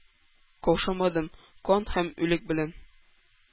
Каушамадым кан һәм үлек белән